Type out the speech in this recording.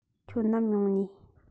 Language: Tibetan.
ཁྱོད ནམ ཡོང ནིས